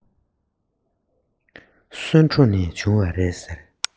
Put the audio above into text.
སོན གྲོ ནས བྱུང བ རེད ཟེར